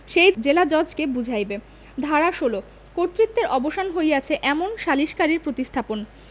সেই জেলাজজকে বুঝাইবে ধারা ১৬ কর্তৃত্বের অবসান হইয়াছে এমন সালিসকারীর প্রতিস্থাপন